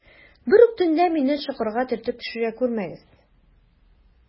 Берүк төнлә мине чокырга төртеп төшерә күрмәгез.